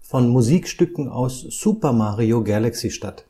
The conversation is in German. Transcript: von Musikstücken aus Super Mario Galaxy statt